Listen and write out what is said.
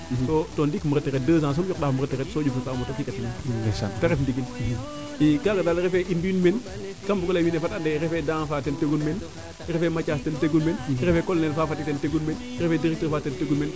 soo ndiiki im ret retrait deux ans soom yoq ndaxam retrait so ƴufnita o moto fika tinum te ref ndigil i kaaga deel refe in mbi un meen kaa bugo leyee wiin we fada ande refe Dafa ten tegun meen refe Mathise ten tegun meen refe Cply Sene fa Fatick ten tegun meen refe directeur faa ten tegun meen